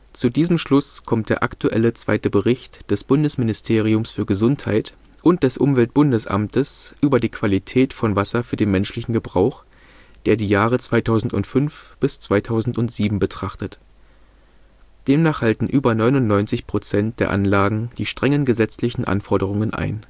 Zu diesem Schluss kommt der aktuelle zweite Bericht des Bundesministeriums für Gesundheit (BMG) und des Umweltbundesamtes (UBA) über die „ Qualität von Wasser für den menschlichen Gebrauch “, der die Jahre 2005 bis 2007 betrachtet. Demnach halten über 99 % der Anlagen die strengen gesetzlichen Anforderungen ein